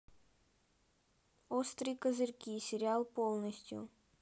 острые козырьки сериал полностью